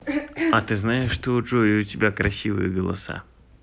а ты знаешь что у джой и у тебя красивые голоса